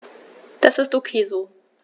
Das ist ok so.